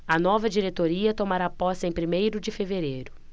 a nova diretoria tomará posse em primeiro de fevereiro